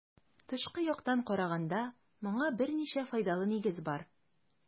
Тышкы яктан караганда моңа берничә файдалы нигез бар.